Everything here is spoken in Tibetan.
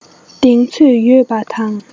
གདེང ཚོད ཡོད པ དང